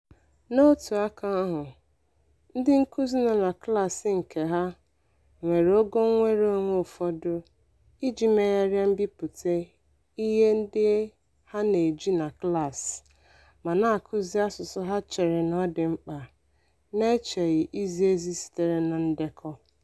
N'otu aka ahụ, ndị nkụzi nọ na klaasị nke ha nwere ogo nnwereonwe ụfọdụ iji megharịa mbipụta ihe ndị ha na-eji na klaasị ma na-akụzi asụsụ ha chere na ọ dị mkpa, n'echeghị izi ezi sitere na ndekọ.